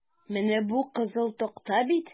Менә бу кызыл такта бит?